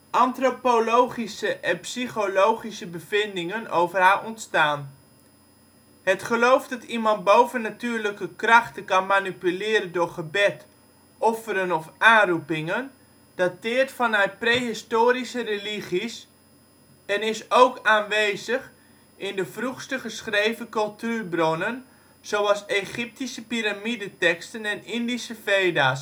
Antropologische en psychologische bevindingen over haar ontstaan. Het geloof dat iemand bovennatuurlijke krachten kan manipuleren door gebed, offeren of aanroepingen, dateert vanuit prehistorische religies en is ook aanwezig in de vroegste geschreven cultuurbronnen zoals Egyptische piramideteksten en Indische veda 's